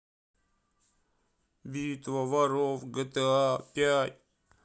битва воров гта пять